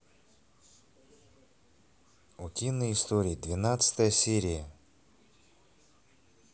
утиные истории двенадцатая серия